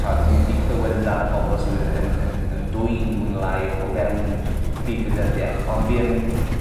t'od 'yn ni'n ni clywed amdano bobol sydd yn yn yn yn dwyn mwy ne' lai o o fewn y byd gwleidyddieth on' fi yn